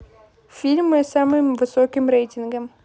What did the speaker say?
фильмы с самым высоким рейтингом